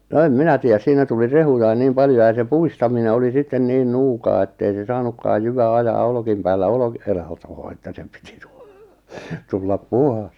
no en minä tiedä siinä tuli rehujakin niin paljon ja se pudistaminen oli sitten niin nuukaa että ei se saanutkaan jyvä ajaa olkien päällä -- olkilatoon että se piti - tulla puhdas